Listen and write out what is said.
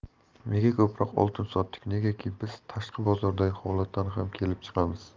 nega ko'proq oltin sotdik negaki biz tashqi bozordagi holatdan ham kelib chiqamiz